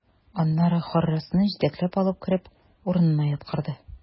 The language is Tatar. Аннары Харрасны җитәкләп алып кереп, урынына яткырды.